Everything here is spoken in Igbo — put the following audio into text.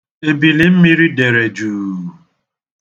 Ebilimmiri dere juu.